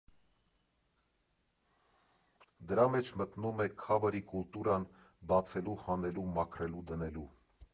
Դրա մեջ մտնում է քավըրի կուլտուրան, բացելու, հանելու, մաքրելու, դնելու։